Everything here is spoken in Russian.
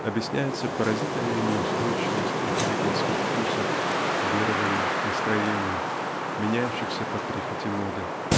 объясняется поразительная неустойчивость интеллигентских вкусов верований настроений меняющихся по прихоти моды.